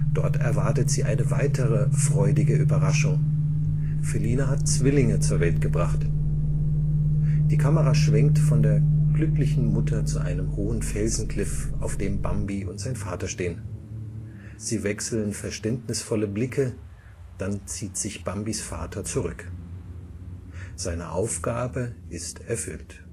Dort erwartet sie eine weitere, freudige Überraschung: Feline hat Zwillinge zur Welt gebracht. Die Kamera schwenkt von der glücklichen Mutter zu einem hohen Felsenkliff, auf dem Bambi und sein Vater stehen. Sie wechseln verständnisvolle Blicke, dann zieht sich Bambis Vater zurück. Seine Aufgabe ist erfüllt